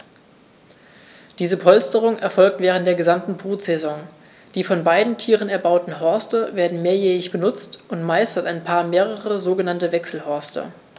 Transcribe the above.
Diese Polsterung erfolgt während der gesamten Brutsaison. Die von beiden Tieren erbauten Horste werden mehrjährig benutzt, und meist hat ein Paar mehrere sogenannte Wechselhorste.